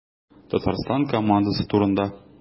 Татарстан командасы турында.